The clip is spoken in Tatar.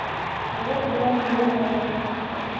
Көйләп тора моңлы сазы.